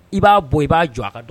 I b'a bɔ i b'a jɔ a ka dɔn